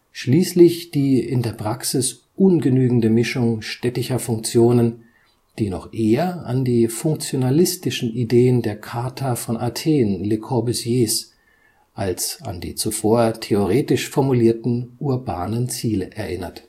schließlich die in der Praxis ungenügende Mischung städtischer Funktionen, die noch eher an die funktionalistischen Ideen der Charta von Athen Le Corbusiers als an die zuvor theoretisch formulierten urbanen Ziele erinnert